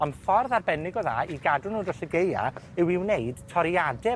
Ond ffordd arbennig o dda i gadw nw dros y gaea yw i wneud toriade